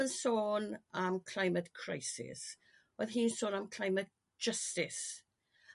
yn sôn a'm climate crisis o'dd hi'n sôn am climate justice